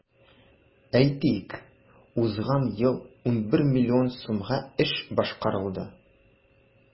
Әйтик, узган ел 11 миллион сумга эш башкарылды.